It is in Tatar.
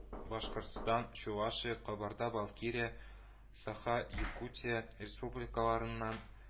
Башкортстан, Чувашия, Кабарда-Балкирия, Саха-Якутия Республикаларыннан